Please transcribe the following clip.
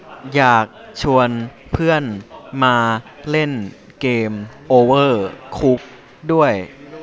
อยากชวนเพื่อนมาเล่นเกมโอเวอร์คุกด้วย